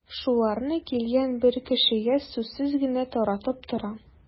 Шуларны килгән бер кешегә сүзсез генә таратып тора.